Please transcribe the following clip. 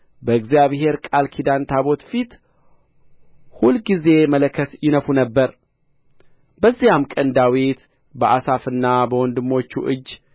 በእግዚአብሔር ቃል ኪዳን ታቦት ፊት ሁልጊዜ መለከት ይነፉ ነበር በዚያም ቀን ዳዊት በአሳፍና በወንድሞቹ እጅ